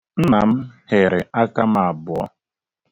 Nna m hịrị aka m abụọ.